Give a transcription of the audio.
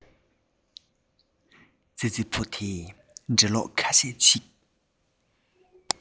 ཙི ཙི ཕོ དེ འགྲེ སློག ཁ ཤས ཤིག